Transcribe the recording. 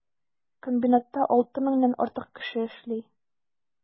Комбинатта 6 меңнән артык кеше эшли.